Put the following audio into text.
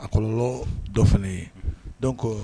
A kɔrɔlɔ dɔ fana yen donc